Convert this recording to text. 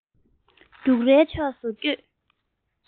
རྒྱུགས རའི ཕྱོགས སུ སྐྱོད